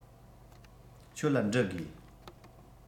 ཁྱོད ལ འདྲི དགོས